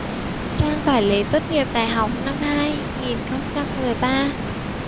trang tại lễ tốt nghiệp đại học năm hai nghìn không trăm mười ba